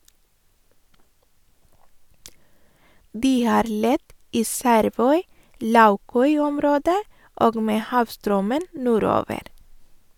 De har lett i Skjervøy-Laukøy-området, og med havstrømmen nordover.